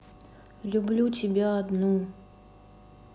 люблю тебя одну